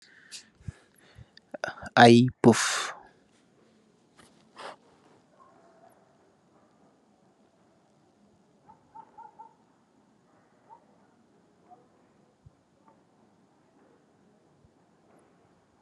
Aye peuf